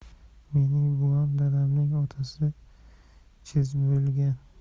mening buvam dadamning otasi shz bo'lgan